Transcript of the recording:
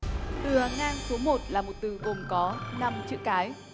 từ hàng ngang số một là một từ gồm có năm chữ cái